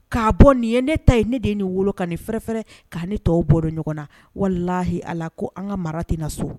K'a bɔ nin ye ne ta ye ne de ye nin wolo ka ni fɛɛrɛ' ne tɔ bɔ dɔn ɲɔgɔn na walahi ala ko an ka mara tɛna na so